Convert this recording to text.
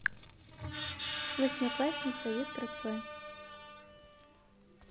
восьмиклассница виктор цой